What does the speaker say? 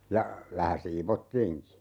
ja vähän siivottiinkin